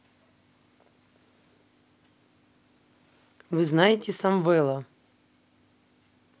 вы знаете самвела